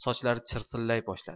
sochlari chirsillay boshladi